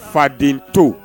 Faden to